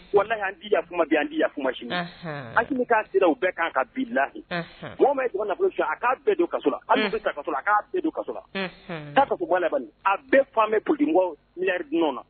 Wa n'an di an dima k'a sera u bɛɛ kan ka bi la bɔ ma nafolo a k'a bɛɛ don ka a ka k' bɛɛ don ka la a bɛɛ fa bɛ miri dunanɔn na